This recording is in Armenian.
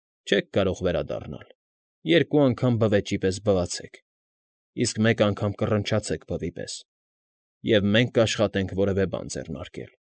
Չե՞ք կարող վերադառնալ՝ երկու անգամ բվեճի պես բվացեք, իսկ մեկ անգամ կռնչացեք բվի պես, և մենք կաշխատենք որևէ բան ձեռնարկել։